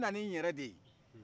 mbɛna nin yɛrɛ de ye